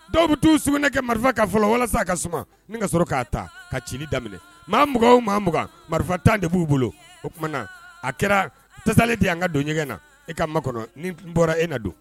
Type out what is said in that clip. Dɔw bɛ'u s kɛ marifa ka fɔlɔ walasa ka suma ni ka sɔrɔ k'a ta ka ci daminɛ maa mugan o mugan marifa tan de b'u bolo oumana a kɛra tasalen de an ka don ɲɛgɛn na e ka ma kɔnɔ ni bɔra e na don